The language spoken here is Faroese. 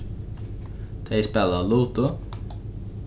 tey spæla ludo